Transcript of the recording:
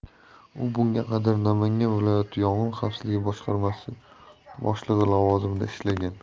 u bunga qadar namangan viloyati yong'in xavfsizligi boshqarmasi boshlig'i lavozimida ishlagan